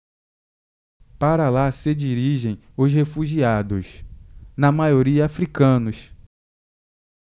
para lá se dirigem os refugiados na maioria hútus